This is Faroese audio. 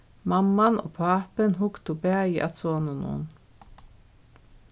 mamman og pápin hugdu bæði at soninum